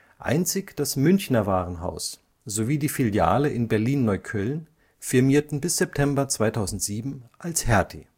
Einzig das Münchner Warenhaus sowie die Filiale in Berlin-Neukölln firmierten bis September 2007 als Hertie